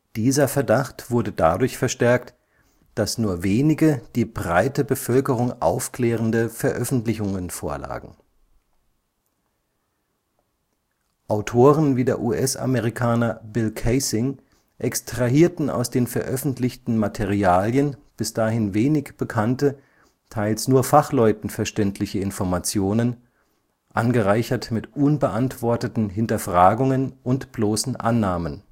Dieser Verdacht wurde dadurch verstärkt, dass nur wenige die breite Bevölkerung aufklärende Veröffentlichungen vorlagen. Autoren wie der US-Amerikaner Bill Kaysing extrahierten aus den veröffentlichten Materialien bis dahin wenig bekannte, teils nur Fachleuten verständliche Informationen – angereichert mit unbeantworteten Hinterfragungen und bloßen Annahmen